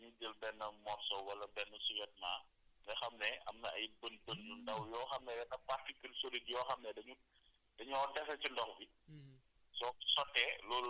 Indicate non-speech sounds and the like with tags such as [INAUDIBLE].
su wàccee après en général dañuy jël benn morso wala benn suyetma nga xam ne am na ay bën bën yu ndaw [NOISE] yoo xam ne particules solides yoo xam ne dañu dañoo dese ci ndox bi